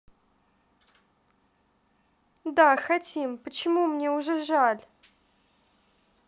да хотим почему мне уже жаль